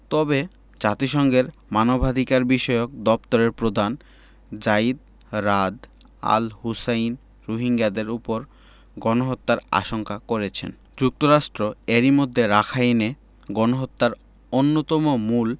তবে জাতিসংঘের মানবাধিকারবিষয়ক দপ্তরের প্রধান যায়িদ রাদ আল হোসেইন রোহিঙ্গাদের ওপর গণহত্যার আশঙ্কা করেছেন যুক্তরাষ্ট্র এরই মধ্যে রাখাইনে গণহত্যার অন্যতম মূল